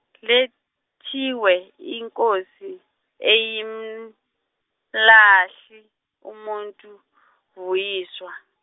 lethiwe iNkosi, ayimlahli umuntu, Vuyiswa.